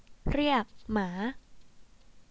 เรียกหมา